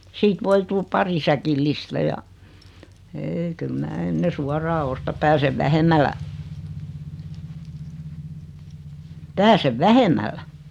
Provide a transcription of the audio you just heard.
siitä voi tulla pari säkillistä ja ei kyllä minä ennen suoraan ostan pääsen vähemmällä pääsen vähemmällä